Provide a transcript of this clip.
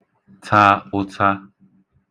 tā ụ̄tā